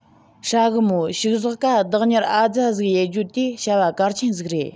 ཧྲ གི མོད ཕྱུགས ཟོག ག བདག གཉེར ཨ ཙ ཟིག ཡེད རྒྱུའོ དེ བྱ བ གལ ཆེན ཟིག རེད